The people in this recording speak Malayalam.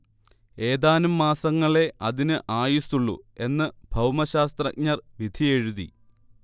ഏതാനും മാസങ്ങളേ അതിന് ആയുസുള്ളൂ എന്ന് ഭൗമശാസ്ത്രജ്ഞർ വിധിയെഴുതി